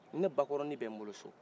ne bakɔrɔni bɛ n bolo so